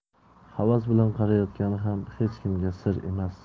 havas bilan qarayotgani ham hech kimga sir emas